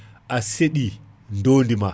a seeɗi ndondi ma